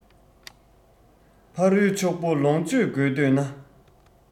ཕ རོལ ཕྱུག པོ ལོངས སྤྱོད དགོས འདོད ན